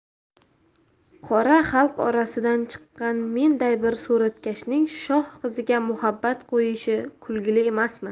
qora xalq orasidan chiqqan menday bir suratkashning shoh qiziga muhabbat qo'yishi kulgili emasmi